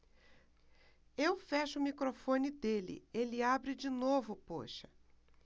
eu fecho o microfone dele ele abre de novo poxa